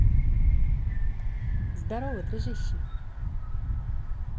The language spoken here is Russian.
здорово дружище